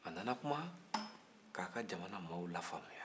a nana kuma k'aa ka jamana maaw la faamuya